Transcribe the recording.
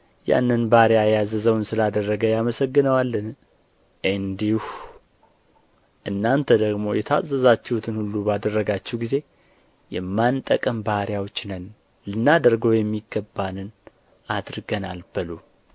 ያንን ባሪያ ያዘዘውን ስላደረገ ያመሰግነዋልን እንዲሁ እናንተ ደግሞ የታዘዛችሁትን ሁሉ ባደረጋችሁ ጊዜ የማንጠቅም ባሪያዎች ነን ልናደርገው የሚገባንን አድርገናል በሉ